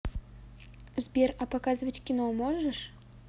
сбер а показывать кино можешь